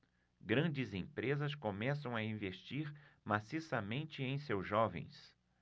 grandes empresas começam a investir maciçamente em seus jovens